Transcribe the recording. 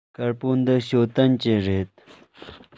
དཀར པོ འདི ཞའོ ཏོན གྱི རེད